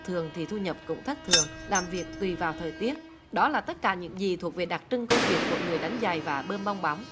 thường thì thu nhập cũng thất thường làm việc tùy vào thời tiết đó là tất cả những gì thuộc về đặc trưng công việc của người đánh giày và bơm bong bóng